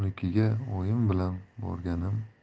oyim bilan borganim